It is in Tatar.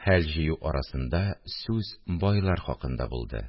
Хәл җыю арасында сүз байлар хакында булды